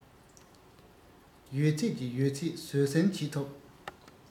ཡོད ཚད ཀྱི ཡོད ཚད བཟོད བསྲན བྱེད ཐུབ